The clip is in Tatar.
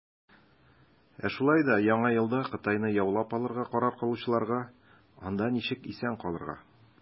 Ә шулай да Яңа елда Кытайны яулап алырга карар кылучыларга, - анда ничек исән калырга.